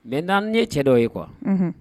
Mɛ naani ye cɛ dɔ ye kuwa